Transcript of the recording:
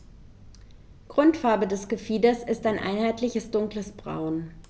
Grundfarbe des Gefieders ist ein einheitliches dunkles Braun.